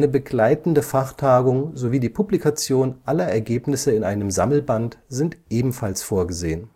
begleitende Fachtagung sowie die Publikation aller Ergebnisse in einem Sammelband sind ebenfalls vorgesehen